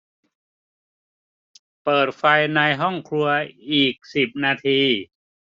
เปิดไฟในห้องครัวอีกสิบนาที